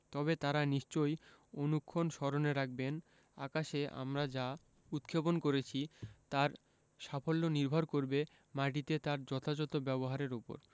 তবে তাঁরা নিশ্চয় অনুক্ষণ স্মরণে রাখবেন আকাশে আমরা যা উৎক্ষেপণ করেছি তার সাফল্য নির্ভর করবে মাটিতে তার যথাযথ ব্যবহারের ওপর